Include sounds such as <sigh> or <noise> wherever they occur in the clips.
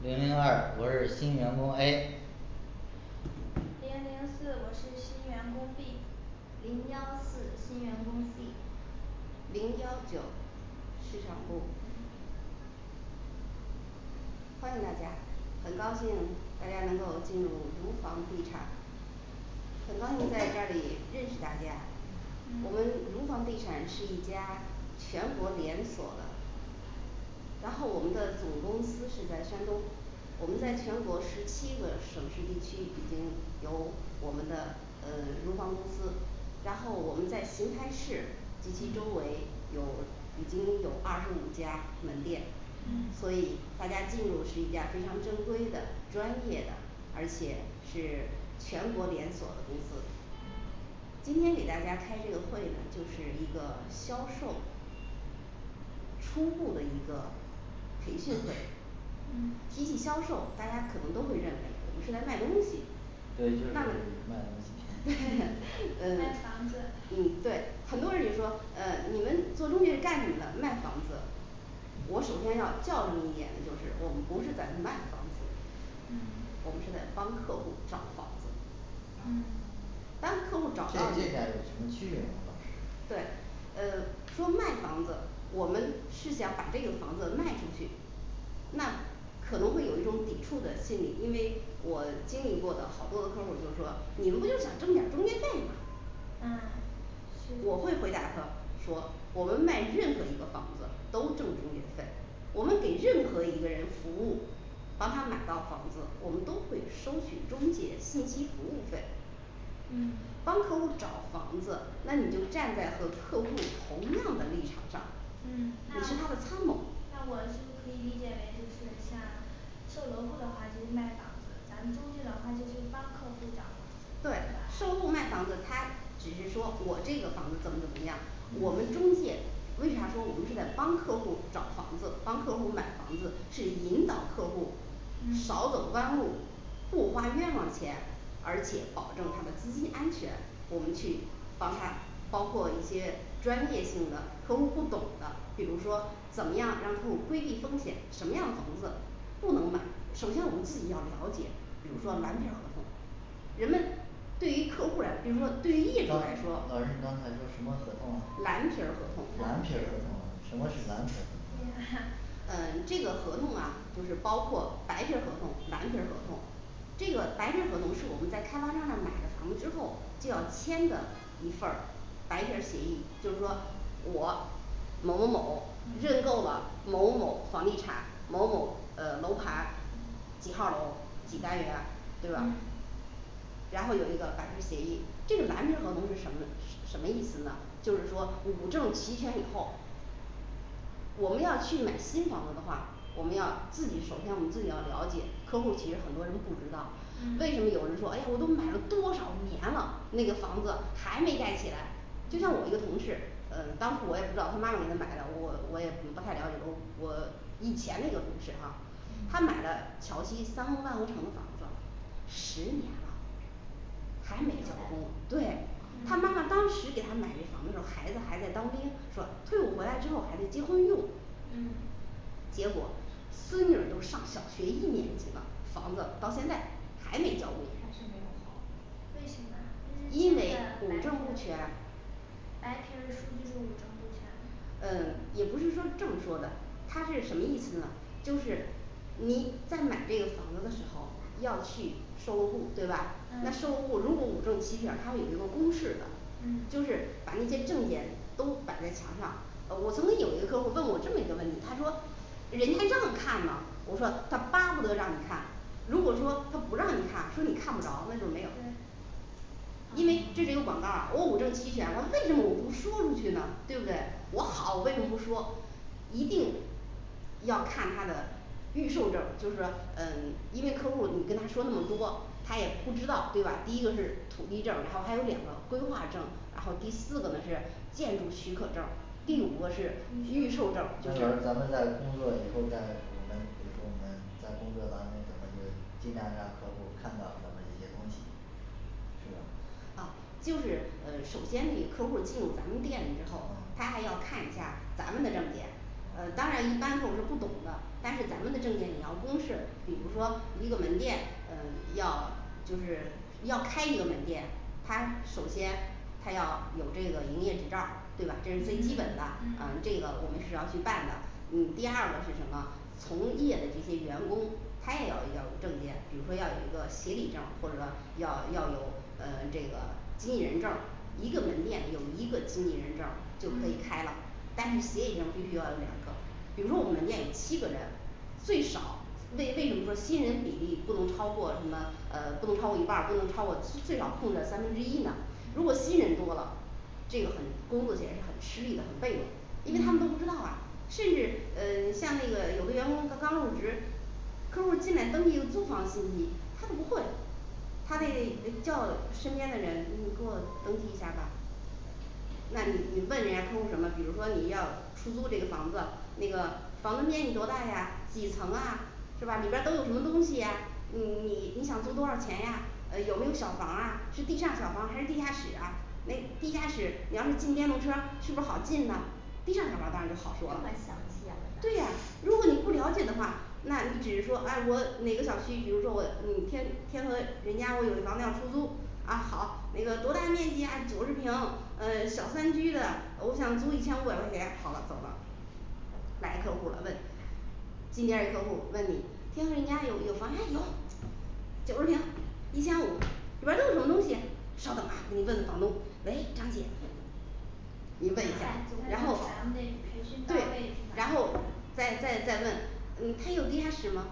零零二我是新员工A 零零四我是新员工B 零幺四我是新员工C 零幺九市场部欢迎大家。很高兴大家能够进入我们如房地产很高兴在这嗯里认识大家，我们嗯如房地产是一家全国连锁的然后我们的总公司是在山东，我们在全国十七个省市地区已经有我们的呃如房公司然后我们在邢台市及其周围有已经有二十五家门店，所嗯嗯以大家进入是一家非常正规的专业的，而且是全国连锁的公司嗯今天给大家开这个会呢，就是一个销售初步的一个培训会嗯提起销售，大家可能都会认为我们是在卖东西对，就是属于那卖东 <noise> 西 <noise> 卖嗯，房子嗯对，很多人一说呃你们做中介是干什么的？卖房子我首先要教育一眼的就是，我们不是在卖房子嗯，我们是在帮客户找房子嗯当客户这找房子这俩有什么区别吗老师？对呃，说卖房子，我们是想把这个房子卖出去那可能会有一种抵触的心理，因为我经历过的好多的客户儿，就是说你们不就想挣点儿中介费嘛嗯我会回答他说我们卖任何一个房子都挣中介费，我们给任何一个人服务，帮他买到房子，我们都会收取中介信息服务费嗯帮客户儿找房子，那你就站在和客户儿同样的立场上嗯，，那我是他的参谋，那我就可以理解为就是像售楼部的话就是卖房子，咱们中介的话就是帮客户儿找房子对是吧售后卖房子，他只是说我这个房子怎么怎么样，我们中介为啥说我们是在帮客户儿找房子，帮客户儿买房子是引导客户儿嗯少走弯路不花冤枉钱，而且保证他的资金安全，我们去帮他包括一些专业性的客户儿不懂的，比如说怎么样让客户儿规避风险，什么样的房子不能买，首先我们自己要了解，比如说蓝皮儿合嗯同人们对于客户儿来，比如说对于刚老师业主来说你刚才说什么合同，蓝皮儿合同，蓝蓝皮皮儿儿合合同，什同么是蓝皮儿对合同呀 <noise> 呃，这个合同啊就是包括白皮儿合同，蓝皮儿合同这个白皮儿合同是我们在开发商那儿买了房之后就要签的一份儿白皮儿协议，就是说我某某某认嗯购了某某房地产某某呃楼盘，嗯几号儿楼几单元嗯对吧？嗯然后有一个白皮儿协议，这个蓝皮儿合同是什么什什么意思呢？就是说五证齐全以后，我们要去买新房子的话，我们要自己首先我们自己要了解客户儿其实很多人不知道为什么嗯有人说哎呀我都买了多少年了，那个房子还没盖起来就像我一个嗯同事，呃当初我也不知道他妈妈给他买的，我我也不太了解我我以前那个同事哈他买嗯的桥西三和万和城的房子了，十年了还没有完，对他妈嗯妈当时给他买这房子时候儿，孩子还在当兵，说退伍回来之后孩子结婚用，嗯，结果孙女儿都上小学一年级了，房子到现在还没交工，还是没有房为什么啊？因因为为现在五白证不皮儿全白皮儿数据是五证不全，呃，也不是说这么说的，它是什么意思呢？就是你在买那个房子的时候要去售楼部对吧？那售楼嗯部如果五证齐全，他会有一个公示的，就嗯是把那些证件都摆在墙上，呃我曾经有一个客户儿问我这么一个问题，他说人家让看吗？我说他巴不得让你看，如果说他不让你看，说你看不着那就没有对因为这啊边有广告儿，我五证齐全了，为什么我不说出去呢对不对？我好我为什么不说？一定要看它的预售证儿就是说呃因为客户儿你跟他说这么多，他也不知道对吧？ 第一个是土地证儿，然后还有两个规划证，然后第四个呢是建筑许可证儿第五个嗯是嗯预售证儿嗯那，就是老师咱们在工作以后在我们比如说我们在工作当中咱们就是尽量让客户儿看到咱们这些东西是吧？啊，就是呃首先地客户儿进入咱门店里之后，他还嗯要看一下儿咱们的证件呃当然一般客户儿是不懂的，但是咱们的证件也要公示，比如说一个门店呃要就是要开一个门店，它首先它要有这个营业执照儿对吧？这是最基本的嗯嗯，呃这嗯个我们是要去办的，嗯第二个是什么？从业的这些员工他也要要有证件，比如说要有一个协理证，或者要要有呃这个经纪人证儿，一个门店有一个经纪人证儿就可以嗯开了但是协理证必须要有两个，比如说我们店有七个人，最少为为什么说新人比例不能超过什么？呃不能超过一半儿，不能超过最少控制在三分之一呢？如果嗯新人多了这个很工作起来是很吃力的，被动，因为他们都不嗯知道啊，甚至呃像那个有的员工他刚入职，客户儿进来登记租房信息他都不会他那得嗯呃叫身边的人，你给我登记一下儿吧那你你问人家客户儿什么，比如说你要出租这个房子，那个房子面积多大呀几层啊是吧？里边儿都有什么东西呀，你你你你想租多少钱呀，呃有没有小房儿啊，是地上小房儿还是地下室啊？那地下室，你要是进电动车是不是好进呢地上小房儿当然就好这说么了详细啊，问对呀的，如果你不了解的话，那你只是说啊我哪个小区，比如说我你天天和人家我有一房子要出租啊好那个多大面积呀九十平，呃小三居的我想租一千五百块钱，好了走了，来客户儿了问进店儿一客户儿问你天和宜家有有房吗有九十平，一千五里边儿都有什么东西，稍等啊给你问问房东喂张姐啊但是咱们得你问一下，然后培训，到位对，是然吧后再再再问嗯它有地下室吗？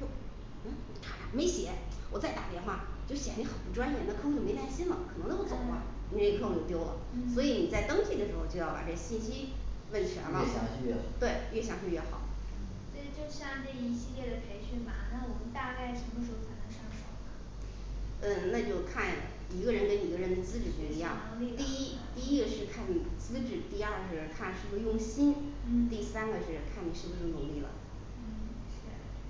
呦，嗯一瞅没写，我再打电话就显得你很不专业，那客户儿没耐心了，可能就走了嗯，你那客户儿就丢了，所以你嗯在登记的时候儿就要把这信息问越全详了细越好，对越详细越好。对就像这一系列的培训嘛，那我们大概什么时候儿才能上手儿呢？呃那就看一个人跟一个人的资学习质不一样，能第力的一啊第一个是看你资质，第二是看是不用心，第嗯三个是看你是不是努力了嗯是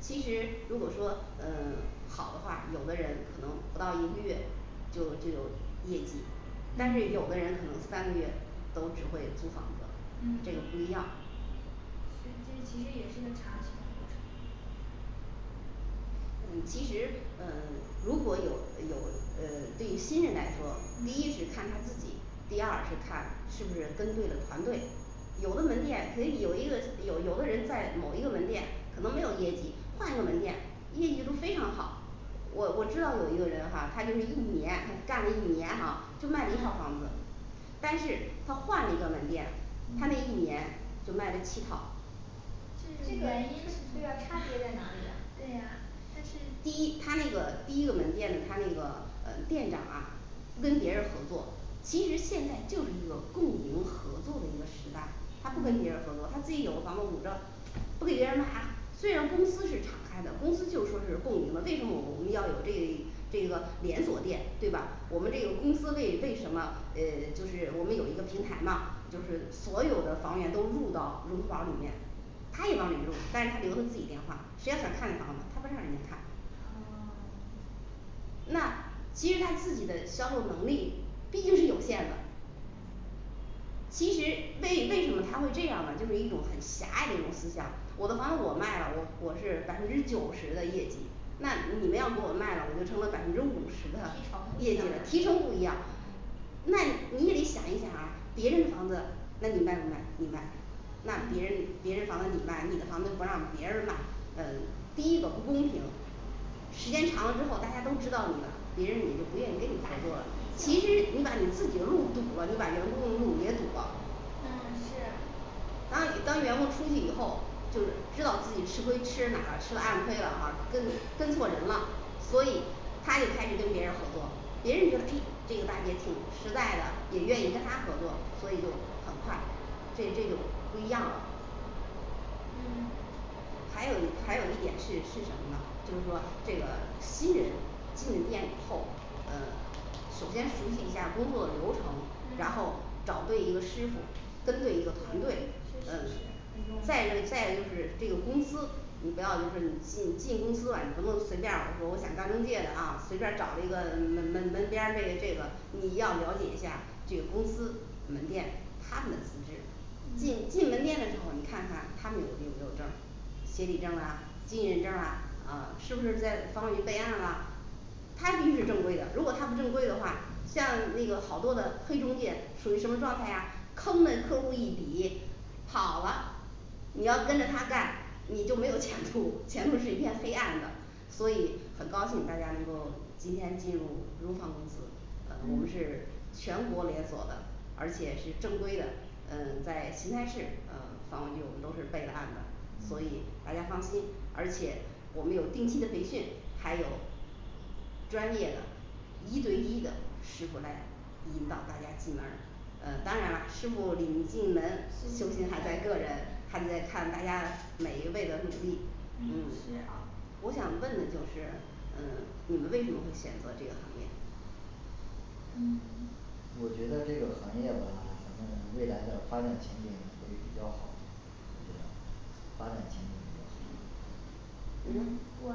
其实如果说呃好的话，有的人可能不到一个月就就有业绩，但是有嗯的人可能三个月都只会租房子，这个嗯不一样这这其实也是个长期的过程。嗯其实呃如果有有呃对于新人来说，第一是嗯看他自己，第二是看是不是跟对了团队有的门店可以有一个有有的人在某一个门店可能没有业绩，换一个门店业绩都非常好我我知道有一个人哈他就是一年他干了一年哈就卖了一套房子但是他换了一个门店，他那一嗯年就卖了七套这这个原因是什么， <noise> 对呀，他是差别在哪里呀？对呀，第一他那个第一个门店的他那个呃店长啊不跟别人儿合作其实现在就是一个共赢合作的一个时代，他不跟别人儿合嗯作，他自己有房子我不知道，不给别人拉，虽然公司是敞开的，公司就说是共赢了，为什么我们要有这这个连锁店对吧？我们这个公司为为什么呃就是我们有一个平台嘛，就是所有的房源都入到荣宝里面他也往里入，但是他留他自己电话，谁要想看房，他不让人家看。哦 <silence> 那其实他自己的销售能力毕竟是有限的嗯其实为为什么他会这样呢？就是一种很狭隘的一种思想，我的房子我卖了，我我是百分之九十的业绩，那你们要给我卖了，我就成了百分之五十的业绩了提提成成不不一样了一样。那你也得想一想啊别人的房子那你卖不卖你卖，那别人嗯别人房子你卖，你的房子不让别人儿卖，呃第一个不公平。时间长了之后大家都知道你了，别人也就不愿意给你搭合路了，作其实你把你自己的路堵了，你把员工的路也堵了。嗯是当当员工出去以后就是知道自己吃亏吃哪儿吃了暗亏了哈跟跟错人了，所以她一开始跟别人儿合作，别人觉得诶这个大姐挺实在的，也愿意跟她合作，所以就很快这这就不一样了。嗯还有还有一点是是什么呢？就是说这个新人进店以后，呃首先熟悉一下儿工作流程，然后嗯找对一个师傅跟对一对，确实是个团很重队呃，再要一再一个就是这个公司，你不要就是你进进公司了，你不能随便儿说我想干中介的啊，随便儿找了一个门门门店儿这这个你要了解一下儿这个公司门店他们的资质，进嗯进门店的时候，你看看他们有没有没有证儿协理证儿啊经营证儿啊啊是不是在房管局备案了它必须是正规的，如果它不正规的话，像那个好多的黑中介属于什么状态呀，坑那客户儿一笔跑了你要跟着他干，你就没有前途， <noise> 前途是一片黑暗的，所以很高兴大家能够今天进入如房公司呃&嗯&我们是全国连锁的，而且是正规的呃在邢台市呃房管局，我们都是备的案的&嗯&，所以大家放心，而且我们有定期的培训，还有专业的一对一的师傅来引导大家进门儿。 呃当然了师傅领进门，修行还在个人，还得再看大家每一位的努力，嗯嗯，是啊我想问的就是呃你们为什么会选择这个行业嗯我觉得这个行业吧反正未来的发展前景会比较好我觉得。发展前景比较好。你呢嗯我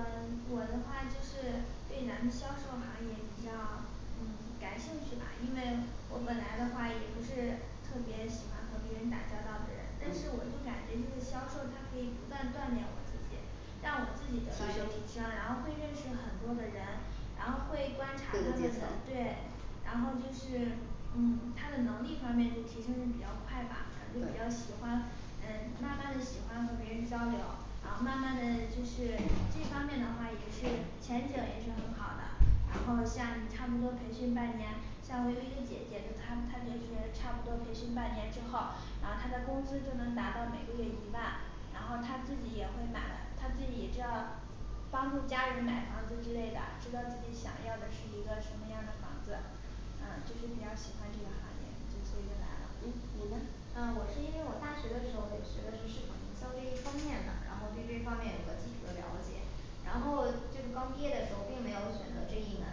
我的话就是对咱们销售行业比较嗯感兴趣吧，因为我本来的话也不是特别喜欢和别人打交道的人，但是我嗯就感觉这个销售它可以不断锻炼我自己，让我自提己得到一个提升升，然后会认识很多的人，然后会观察这他个们阶的层，对，然后就是嗯他的能力方面是提升是比较快吧，感觉就比较喜对欢呃慢慢的喜欢和别人交流，然后慢慢的就是这方面的话也是前景也是很好的。然后像你差不多培训半年，像我有一个姐姐就她她就是差不多培训半年之后，然后她的工资就能达到每个月一万，然后她自己也会买了，她自己也知道帮助家人买房子之类的，知道自己想要的是一个什么样的房子啊就是，比较喜欢这个行业，就所以就来了嗯，你呢啊我是因为我大学的时候也学的是市场营销这一方面的，然后对这方面有个基础的了解然后就是刚毕业的时候我并没有选择这一门，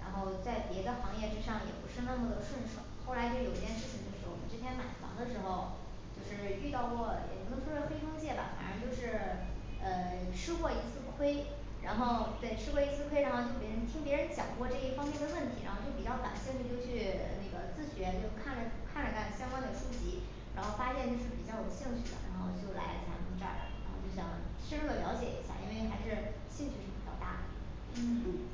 然后在别的行业之上也不是那么的顺手。 后来就有一件事情就是我们之前买房的时候就是遇到过也不能说是黑中介吧，反正就是呃 <silence> 吃过一次亏然后对吃过一次亏，然后就别人听别人讲过这一方面的问题，然后就比较感兴趣就去 <silence> 那个自学，就看了看了看相关的书籍然后发现就是比较有兴趣的，然后就来咱们这儿了就想深入的了解一下，因为还是兴趣是比较大的。嗯嗯，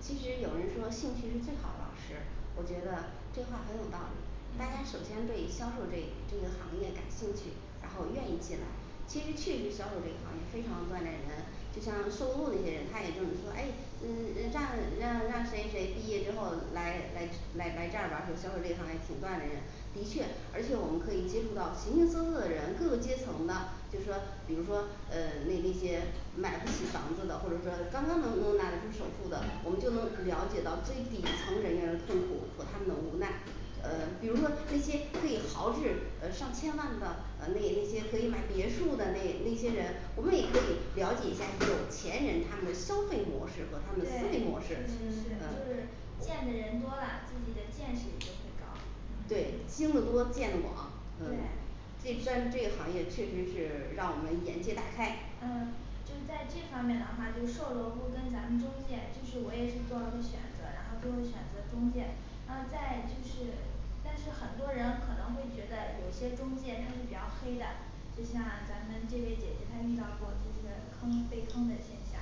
其实有人说兴趣是最好的老师，我觉得这话很有道理。大家首嗯先对销售这这个行业感兴趣，然后愿意进来其实确实是销售这个行业非常的锻炼人，就像售后的一些人，他也这么说诶嗯嗯让让让谁谁毕业之后来来来来这儿吧，说销售这个行业挺锻炼人的确，而且我们可以接触到形形色色的人，各个阶层的，就是说比如说呃那那些买不起房子的，或者说刚刚能拿得出首付的，我们就能了解到最底层人员的痛苦和他们的无奈。呃比如说那些可以豪掷呃上千万的呃那那些可以买别墅的那那些人，我们也可以了解一下有钱人他们的消费模式和他们的思对维就模式，确实是嗯是见的人多了，自己的见识也就会高。对，听的多见的广嗯对这但是这个行业确实是让我们眼界大开嗯就在这方面的话就是售楼部跟咱们中介就是我也是做了个选择，然后最后选择中介，然后再就是但是很多人可能会觉得有些中介他是比较黑的，就像咱们这位姐姐她遇到过就是坑被坑的现象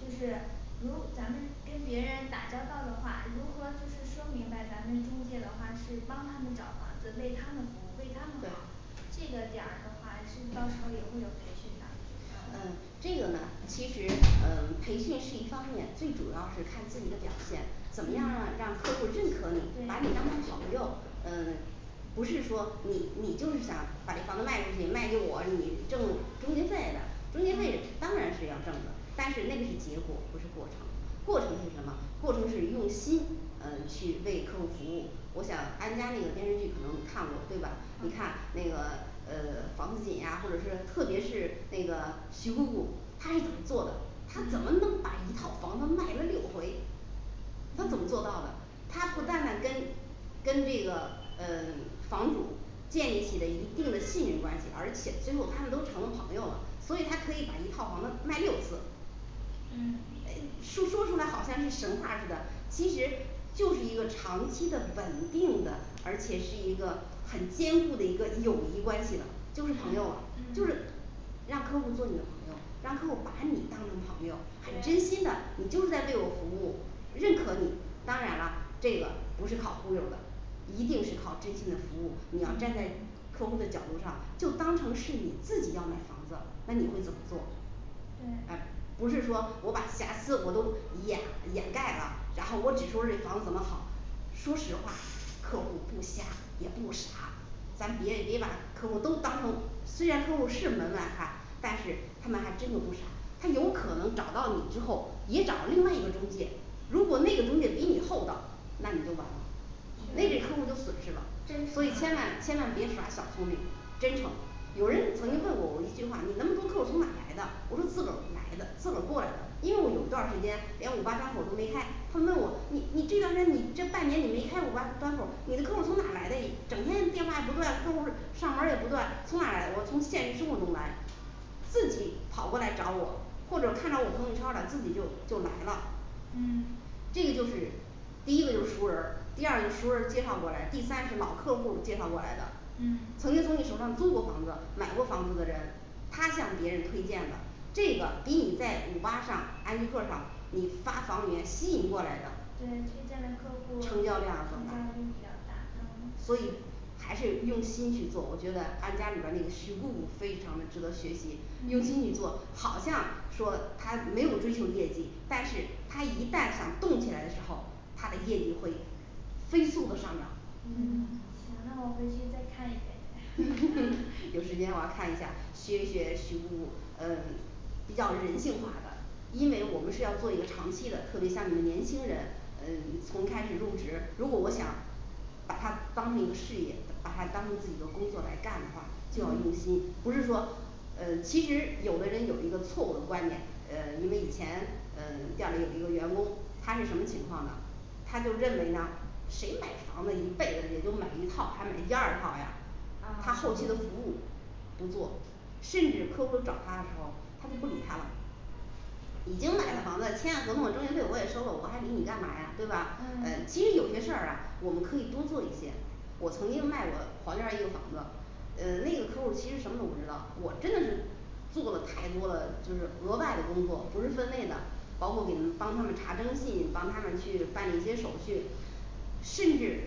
就是如咱们跟别人打交道的话，如何就是说明白咱们中介的话是帮他们找房子为他们服务，为他们好对这个点儿的话是不是到时候儿也会有培训的？嗯，这个呢其实呃培训是一方面，最主要是看自己的表现怎么样嗯让客户儿认可你把你当对成朋友，呃不是说你你就是想把这房子卖出去卖给我，你挣中介费的中介费嗯当然是要挣的，但是那个是结果，不是过程过程是什么，过程是用心呃去为客户儿服务，我想安家那个电视剧可能你看过对吧？ 你看嗯那个呃房子紧呀或者特别是那个徐雇主他是怎么做的，他怎么嗯能把一套房子卖了六回他怎么做嗯到的？他不断的是跟跟这个呃房主建立了一定的信任关系，而且最后他们都成了朋友了，所以他可以把一套房子卖六次嗯诶说说出来好像是神话似的，其实就是一个长期的稳定的，而且是一个很坚固的一个友谊关系了，嗯就是朋友了就是嗯让客户儿做你的朋友，让客户儿把你当成朋友，很真心对的你就是在为我服务，认可你，当然了这个不是靠忽悠儿的一定是靠真心的服务，你要站在嗯客户的角度上，就当成是你自己要买房子，那你会怎么做？啊对不是说我把瑕疵我都掩掩盖了，然后我只说这房子怎么好说实话，客户儿不瞎也不傻，咱别别把客户儿都当成虽然客户儿是门外汉，但是他们还真的不傻他有可能找到你之后也找另外一个中介，如果那个中介比你厚道，那你就完了那个客户儿就损却失了，所真以千诚万啊千万别耍小聪明真诚。有人曾经问过我一句话，你那么多客户儿从哪来的？我说自个儿来的自个儿过来的，因为我有一段儿时间连五八端口儿都没开，他问我你你这段时间你这半年你没开五八端口儿，你的客户儿从哪来的？整天电话不断，客户儿上门儿也不断，从哪来？我从现实生活中来自己跑过来找我，或者看到我朋友圈儿了自己就就来了。嗯这个就是第一个就是熟人儿，第二个是熟人儿介绍过来，第三是老客户儿介绍过来的。嗯曾经从你手上租过房子，买过房子的人他向别人推荐的这个比你在五八上安居客上你发房源吸引过来的对推荐的客户儿成成交交率量更大比较大，嗯所以还是用心去做，我觉得安家里边儿那个徐姑姑非常的值得学习，用心去嗯做好像说他没有追求业绩，但是他一旦想动起来的时候，他的业绩会飞速的上涨，嗯嗯，行那我回去再看一遍 <noise> <noise> 有时间我要看一下儿学一学徐姑姑呃比较人性化的，因为我们是要做一个长期的，特别像你们年轻人呃从开始入职，如果我想把它当成一个事业，把它当做自己的工作来干的话，就要用嗯心，不是说呃其实有的人有一个错误的观点，呃因为以前呃调了一个一个员工他是什么情况呢，他就认为呢谁买房子一辈子也就买一套还买一二套诶，他后期的啊服务不做，甚至客户找他的时候他都不理他了，已经买了房子签了合同了中介费，我也收了，我还理你干嘛呀对吧？啊其嗯实有些事儿啊我们可以多做一些，我曾经卖过房件儿一个房子，呃那个客户儿其实什么都不知道，我真的是做的太多了，就是额外的工作不是分内的，包括给他们帮他们查征信，帮他们去办理一些手续，甚至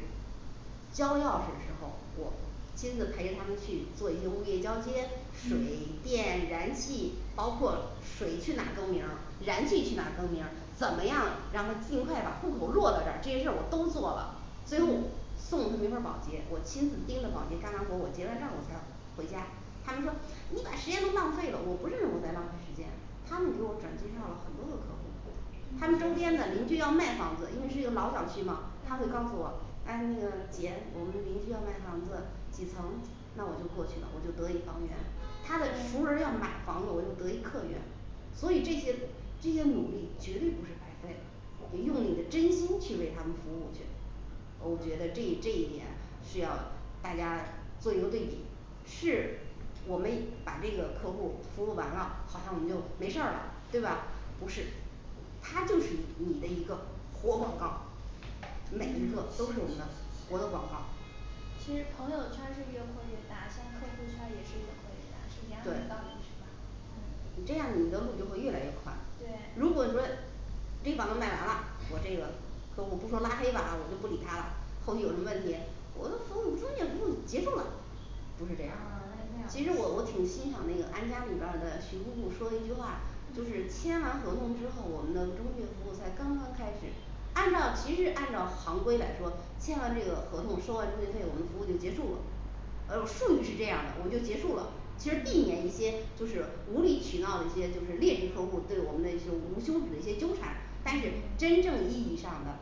交钥匙的时候，我亲自陪着他们去做一些物业交接，水嗯电、燃气包括水去哪更名儿，燃气去哪更名儿，怎么样让他尽快把户口落到这儿这些事儿我都做了，最后嗯送他们一份儿保洁，我亲自盯着保洁干完活儿，我结完账我才回家，他们说你把时间都浪费了，我不是认为我在浪费时间。 他们给我转介绍了很多的客户儿，他们周边的邻居要卖房子，因为是一个老小区嘛，他会告诉我哎那个姐我们邻居要卖房子几层，那我就过去了，我就得一房源，他的熟人儿要买房子我就得一客源，所以这些这些努力绝对不是白费，也用你的真心去为他们服务去我觉得这一这一点是要大家做一个对比，是我们把这个客户儿服务完了，好像我没有没事儿了，对吧？不是他就是你你的一个活广告儿，嗯，是确实是每一个都是我们的活的广告儿其实朋友圈儿是越扩越大，像客户圈儿也是越扩越大是一样的道理对是吧？ 你嗯，这样你的路就会越来越宽，如对果问这房子卖完了，我这个说我不说拉黑吧，然后我就不理他了，后续有什么问题，我的服务中介服务结束了不是这样啊 <silence> 原来是那样儿，其实我我挺欣赏那个安家里边儿的，徐姑姑说的一句话，就是嗯签完合同之后，我们的中介服务才刚刚开始，按照其实按照行规来说，签完这个合同收完中介费，我们服务就结束了。呃术语是这样的我们就结束了，其实避免一些就是无理取闹的一些就是劣质客户儿对我们的那些无休止的一些纠缠，但是嗯真正意义上的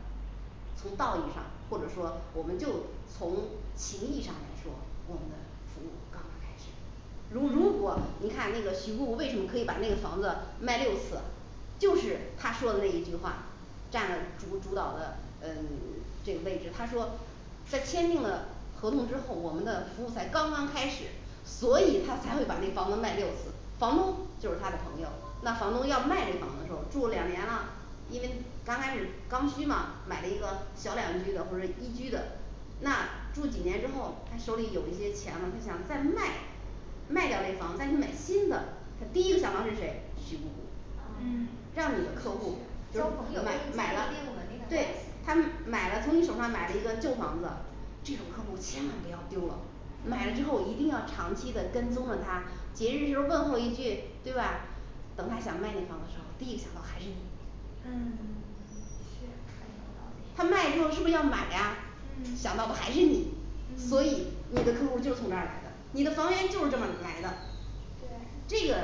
从道义上或者说我们就从情义上来说，我们的服务刚刚开始如如果你看那个徐顾为什么可以把那个房子卖六次？就是他说的那一句话占了主主导的呃这个位置，他说在签订了合同之后，我们的服务才刚刚开始所以他才会把那房子卖六次房东就是他的朋友那房东要卖这房子的时候儿住两年了，因为刚开始刚需嘛买了一个小两居的或者一居的，那住几年之后他手里有一些钱了，他想再卖卖掉这房再去买新的，他第一个想到的是谁？徐姑姑嗯啊。是是让你的客户儿是就交朋是友可买以建立买了一定稳，定的对关系他们买了从你手儿上买了一个旧房子这种客户儿千万不要丢了，买了之后一定要长期的跟踪着他，节日时候儿问候一句对吧等他想卖那房子时候儿，第一想到还是你嗯 <silence> 是，他可以了解卖了之后是不是要买呀想到嗯的还是你，所以嗯你的客户儿就是从这儿来的，你的房源就是这么来的对这个